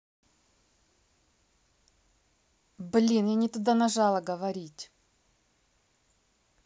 блин я не туда нажала говорить